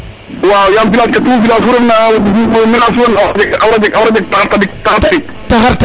waaw yaam village tout village fu ref na a wara jeg taxar taduk